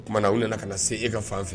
O kumana u nana ka na se e ka fan fɛ